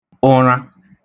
ụṙa